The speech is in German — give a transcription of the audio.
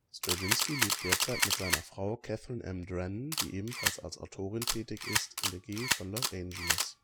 Straczynski lebt derzeit mit seiner Frau Kathryn M. Drennan, die ebenfalls als Autorin tätig ist, in der Gegend von Los Angeles